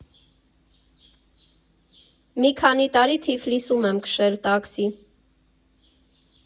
Մի քանի տարի Թիֆլիսում եմ քշել տաքսի։